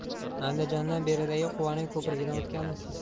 andijondan beridagi quvaning ko'prigidan o'tganmisiz